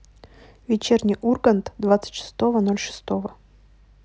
вечерний ургант двадцать шестого ноль шестого